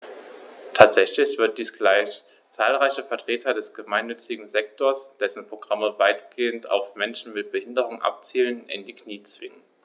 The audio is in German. Tatsächlich wird dies gleich zahlreiche Vertreter des gemeinnützigen Sektors - dessen Programme weitgehend auf Menschen mit Behinderung abzielen - in die Knie zwingen.